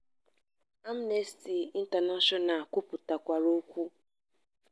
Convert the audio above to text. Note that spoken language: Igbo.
Amnesty International kwupụtakwara okwu.